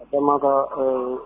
Ne ma ka ɛɛ